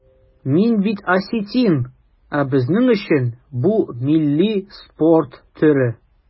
Мин бит осетин, ә безнең өчен бу милли спорт төре.